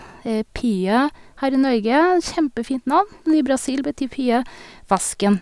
Pia, her i Norge, kjempefint navn, men i Brasil betyr pia vasken.